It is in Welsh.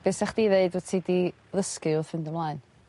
Be' 'sach chdi ddeud wt ti 'di ddysgu wrth fynd ymlaen?